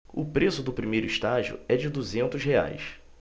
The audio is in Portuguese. o preço do primeiro estágio é de duzentos reais